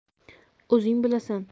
o'zing bilasan